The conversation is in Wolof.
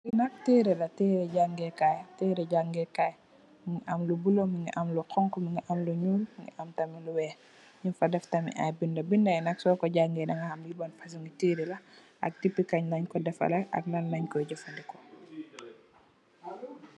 Lii nak tehreh la, tehreh jaangeh kaii, tehreh jaangeh kaii, mu am lu bleu, mungy am lu honhu, mungy am lu njull, mungy am tamit lu wekh, njung fa deff tamit aiiy binda, binda yii nak sor kor jangeh danga ham lii ban fasoni tehreh la ak dipi kangh len kor defarreh ak lan langh koi jeufandehkor.